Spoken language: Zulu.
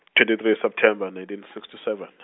twenty three September, nineteen sixty seven.